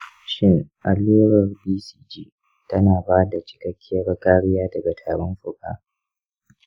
shin allurar bcg tana bada cikakkiyar kariya daga tarin fuka?